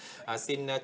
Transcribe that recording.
ờ xin